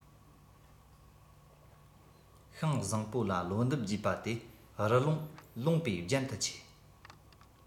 ཤིང བཟང པོ ལ ལོ འདབ རྒྱས པ དེ རི ཀླུང ལུང པའི རྒྱན དུ ཆེ